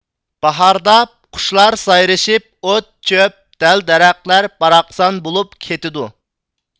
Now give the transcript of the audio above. باھاردا قۇشلار سايرىشىپ ئوت چۆپ دەل دەرەخلەر باراقسان بولۇپ كېتىدۇ